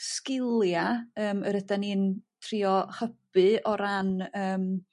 sgilia yym yr ydan ni'n trio hybu o ran yym